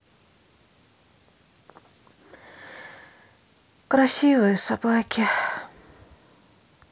красивые собаки